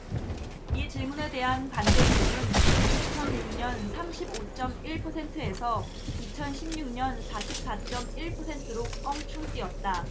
이 질문에 대한 반대비율은 이천 육 년 삼십 오 쩜 일 퍼센트에서 이천 십 육 년 사십 사 쩜 일 퍼센트로 껑충 뛰었다